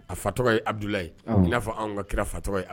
A fa tɔgɔ ye abudula ye i n'a fɔ anw ka kira fa tɔgɔ ye